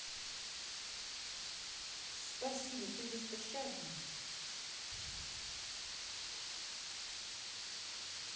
спасибо ты беспощадна